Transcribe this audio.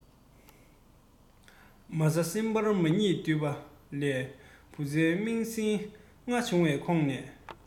མ ས སྲིན འབར མ གཉིས འདུས པ ལས བུ ཚ མིང སྲིང ལྔ བྱུང བའི ཁོངས ནས